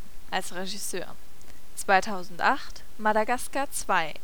Regisseur) 2008: Madagascar 2